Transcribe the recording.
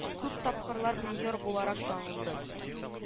Күп тапкырлар призер буларак танылды